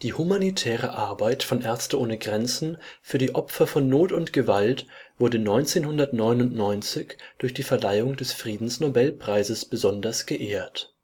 humanitäre Arbeit von MSF für die Opfer von Not und Gewalt wurde 1999 durch die Verleihung des Friedensnobelpreises besonders geehrt